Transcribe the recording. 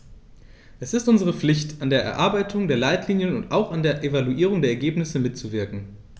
Es ist unsere Pflicht, an der Erarbeitung der Leitlinien und auch an der Evaluierung der Ergebnisse mitzuwirken.